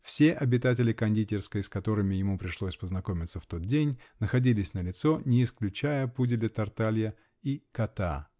Все обитатели кондитерской, с которыми ему пришлось познакомиться в тот день, находились налицо, не исключая пуделя Тарталья и кота